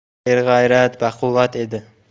serg'ayrat baquvvat edi